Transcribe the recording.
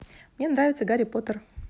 мне нравится гарри поттер